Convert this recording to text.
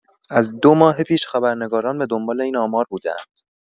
از ۲ ماه پیش خبرنگاران به دنبال این آمار بوده‌اند.